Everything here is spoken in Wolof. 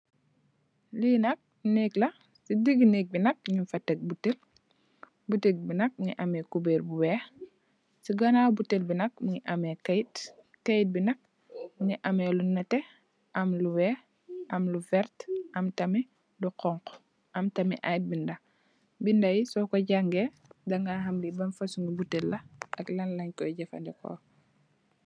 Lee nak neek la se dege neek be nak nugfa tek botel botel be nak muge ameh kuberr bu weex se ganaw botel be nak muge ameh keyete keyete be nak muge ameh lu neteh am lu weex am lu verte am tamin lu xonxo am tamin aye beda beda ye soku jange daga ham le ban fosunge botel la ak lanlenkoye jufaneku.